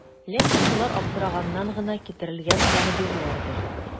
Ләкин болар аптыраганнан гына китерелгән тәгъбирләрдер.